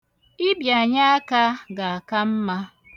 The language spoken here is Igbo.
Ịbịanye aka ga-aka mma.